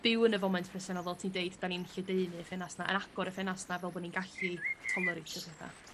byw yn y foment presennol fel ti'n deud 'dan ni'n lledaenu y ffenast 'na yn agor y ffenast 'na fel bo' ni'n gallu tolereitio petha.